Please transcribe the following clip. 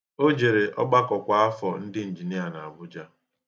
O jere ọgbakọ kwa afọ ndị njinia n'Abụja.